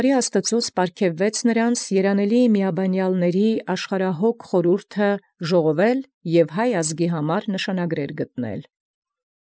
Ապա ելանէր նոցա պարգևական յամենաբարին Աստուծոյ ժողովել զաշխարհահոգ խորհուրդն երանելի միաբանելոցն, և ի գիւտ նշանագրաց Հայաստան ազգին հասանել։